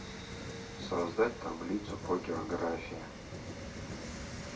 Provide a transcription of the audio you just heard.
создать таблицу по географии